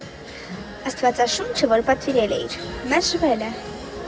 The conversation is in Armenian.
Աստվածաշունչը որ պատվիրել էիր, մերժվել է։